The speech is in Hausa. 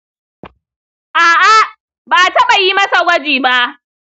aa, ba'a taba yimasa gwaji ba.